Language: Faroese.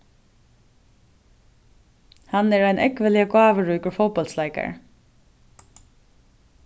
hann er ein ógvuliga gávuríkur fótbóltsleikari